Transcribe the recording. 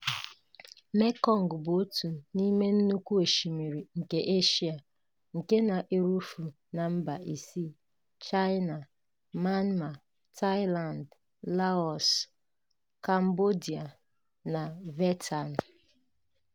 Mekong bụ otu n'ime nnukwu osimiri nke Eshia nke na-erufu na mba isii: China, Myanmar, Thailand, Laos, Cambodia, na Vietnam.